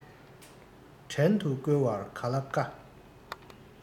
བྲན དུ བཀོལ བར ག ལ དཀའ